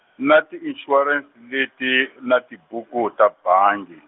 na tinxuwarense leti na tibuku ta bangi.